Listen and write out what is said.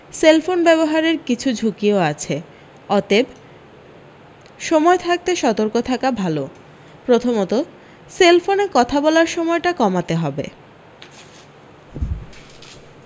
cellphone ব্যবহারের কিছু ঝুঁকিও আছে অতেব সময় থাকতে সতর্ক থাকা ভালো প্রথমত সেলফোন কথা বলার সময়টা কমাতে হবে